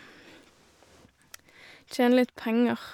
Tjene litt penger.